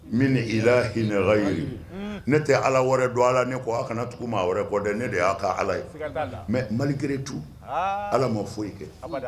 Mine hilahil ghayibi ne tɛ ala wɛrɛ dɔn a' la ne kɔ, a' kana tugun maa wɛrɛ kɔ dɛ, ne de yaw ka ala ye. Siga t'a la. Mais malgré tout ala ma fosi kɛ. Abada!